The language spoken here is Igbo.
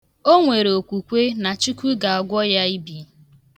O nwere okwukwe na Chukwu ga-agwọ ya ibi.